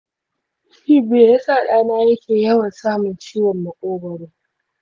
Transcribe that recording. shin me yasa ɗana yake yawan samun ciwon maƙogwaro?